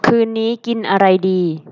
คืนนี้กินอะไรดี